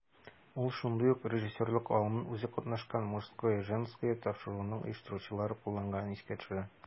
Ул шушындый ук режиссерлык алымын үзе катнашкан "Мужское/Женское" тапшыруының оештыручылары кулланганлыгын искә төшерә.